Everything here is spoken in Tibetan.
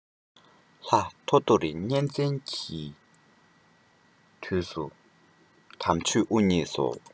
ལྷ ཐོ ཐོ གཉན བཙན གྱི དུས སུ དམ ཆོས དབུ བརྙེས སོ